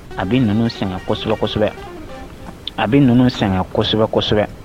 A bɛ n sen kosɛbɛ kosɛbɛ a bɛ n sen kosɛbɛ kosɛbɛ